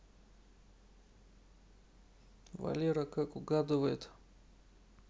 валера как угадывает